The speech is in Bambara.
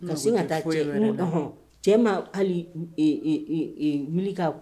Ka sin ŋa taa cɛ ɔnhɔn cɛ ma hali e e e e wuli ka